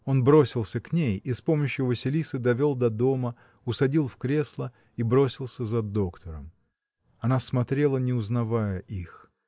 Он бросился к ней и с помощью Василисы довел до дома, усадил в кресла и бросился за доктором. Она смотрела, не узнавая их.